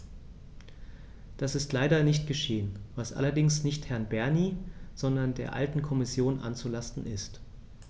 Das ist leider nicht geschehen, was allerdings nicht Herrn Bernie, sondern der alten Kommission anzulasten ist.